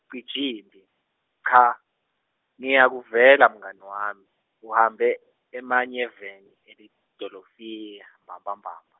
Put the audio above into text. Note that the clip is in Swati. Cijimphi, cha, ngiyakuvela mngani wami, uhambe, emanyeveni, elidolofiya, mbamba mbamba.